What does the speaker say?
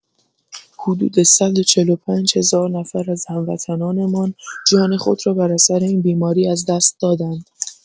حدود ۱۴۵ هزار نفر از هموطنانمان جان خود را بر اثر این بیماری از دست دادند.